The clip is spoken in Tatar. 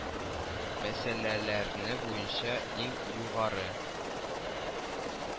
Мәсьәләләре буенча иң югары